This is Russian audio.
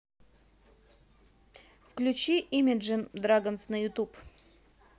включи имеджин драгонс на ютуб